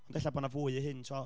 ond ella bod 'na fwy i hyn tibod